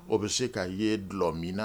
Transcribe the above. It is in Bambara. O be se ka ye dulɔ min na